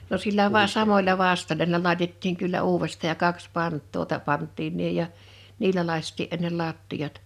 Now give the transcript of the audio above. no sillä vain samoilla vastoilla niillä laitettiin kyllä uudestaan ja kaksi pantaa - pantiin niin ja niillä lakaistiin ennen lattiat